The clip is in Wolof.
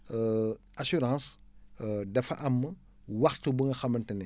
assurance dafa am waxtu bu nga xamante ne